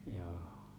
joo